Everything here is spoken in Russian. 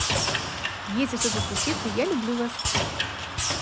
если что то случится я люблю вас